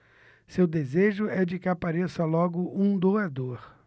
seu desejo é de que apareça logo um doador